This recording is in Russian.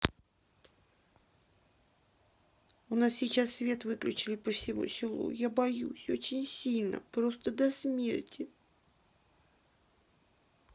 у нас сейчас свет выключили по всему селу я боюсь очень сильно просто до смерти